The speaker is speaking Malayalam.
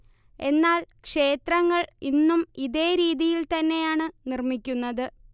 എന്നാൽ ക്ഷേത്രങ്ങൾ ഇന്നും ഇതേ രീതിയിൽ തന്നെയാണ് നിർമ്മിക്കുന്നത്